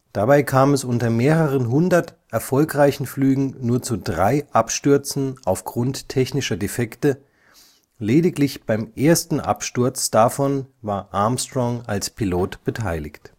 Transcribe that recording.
Dabei kam es unter mehreren hundert erfolgreichen Flügen nur zu drei Abstürzen auf Grund technischer Defekte, lediglich beim ersten Absturz davon war Armstrong als Pilot beteiligt